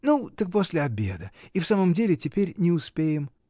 — Ну, так после обеда — и в самом деле теперь не успеем.